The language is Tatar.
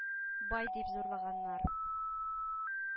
“бай“ дип зурлаганнар.